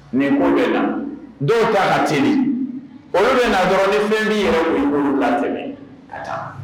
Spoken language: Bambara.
Ni bɛ la dɔw taara tieni o bɛ na dɔrɔn ni fɛn bɛ yɛrɛ la ka ca